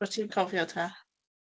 Be ti'n cofio te?